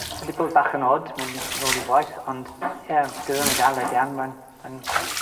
ma' 'di bod bach yn od mynd nôl i gwaith ond ie dyw e ddim yn galed iawn ma'n yn